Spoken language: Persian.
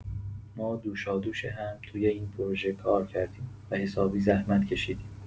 ما دوشادوش هم توی این پروژه کار کردیم و حسابی زحمت کشیدیم.